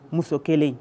Muso kelen